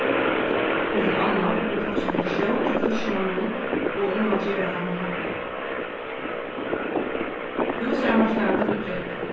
millum annað verður tosað um pensjón hjá fiskimonnunum og um at gera hana hægri bústaðarmarknaðurin í kreppu